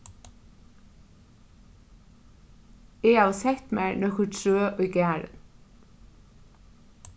eg havi sett mær nøkur trø í garðin